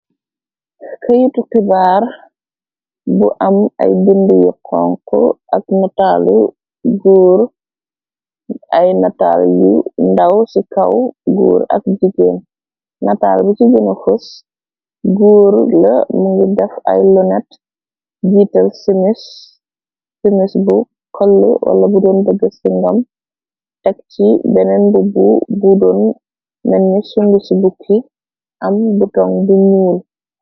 Këyitu xibaar bu am ay bind yo xonk ak nataalu góur ay nataal yu ndaw ci kaw gór ak jigéen nataal bi ci gënu xos góur la mëngu def ay lonet jeatel sumis buo coll wala budeon bëgg ci ngam ek ci beneen bu bu budoon nenni sundu ci bukki am butoŋg bi muul.